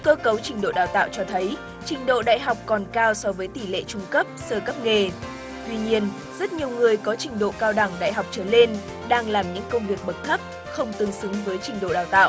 cơ cấu trình độ đào tạo cho thấy trình độ đại học còn cao so với tỷ lệ trung cấp sơ cấp nghề tuy nhiên rất nhiều người có trình độ cao đẳng đại học trở lên đang làm những công việc bậc thấp không tương xứng với trình độ đào tạo